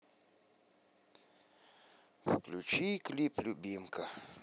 включи клип любимка